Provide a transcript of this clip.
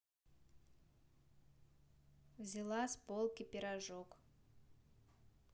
взяла с полки пирожок